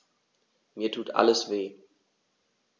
Mir tut alles weh.